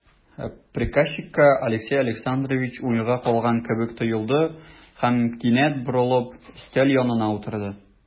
Приказчикка Алексей Александрович уйга калган кебек тоелды һәм, кинәт борылып, өстәл янына утырды.